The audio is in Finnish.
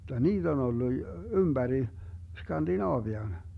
jotta niitä on ollut ympäri Skandinavian